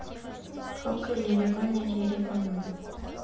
Փոքր Երևան էր՝ Երևանում։